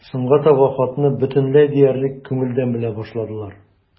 Соңга таба хатны бөтенләй диярлек күңелдән белә башладылар.